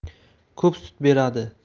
ko'p sut beradi